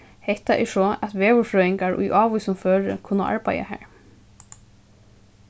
hetta er so at veðurfrøðingar í ávísum føri kunnu arbeiða har